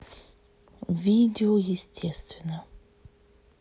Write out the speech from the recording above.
видео естественно